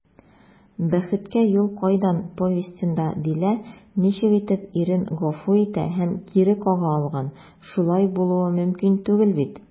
«бәхеткә юл кайдан» повестенда дилә ничек итеп ирен гафу итә һәм кире кага алган, шулай булуы мөмкин түгел бит?»